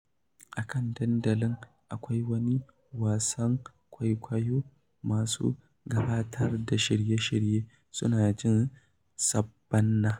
A kan dandalin akwai wani wasan kwaikwayo, masu gabatar da shirye-shirye suna jin "Saɓannah"